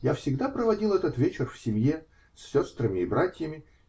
я всегда проводил этот вечер в семье, с сестрами и братьями